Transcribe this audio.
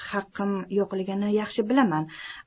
haqqim yo'qligini yaxshi bilaman